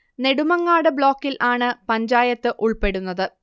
നെടുമങ്ങാട് ബ്ലോക്കിൽ ആണ് പഞ്ചായത്ത് ഉൾപ്പെടുന്നത്